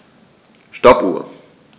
Stoppuhr.